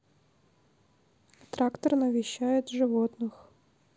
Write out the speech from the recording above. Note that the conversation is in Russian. трактор навещает животных